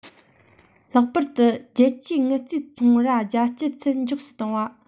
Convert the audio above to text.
ལྷག པར དུ རྒྱལ སྤྱིའི དངུལ རྩའི ཚོང ར རྒྱ བསྐྱེད ཚད མགྱོགས སུ བཏང བ